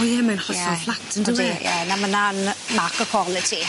O ie mae'n hollol fflat yndw e? Odi ie na ma' na'n mark o quality.